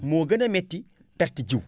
moo gën a métti perte jiwu